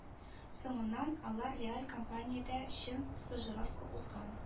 Соңыннан алар реаль компаниядә чын стажировка узган